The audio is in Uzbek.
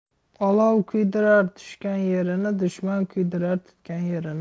olov kuydirar tushgan yerini dushman kuydirar tutgan yerini